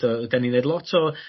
Dy- 'dan ni'n neud lot o